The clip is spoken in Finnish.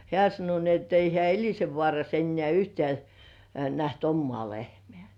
hän sanoi niin että ei hän Elisenvaarassa enää yhtään nähnyt omaa lehmää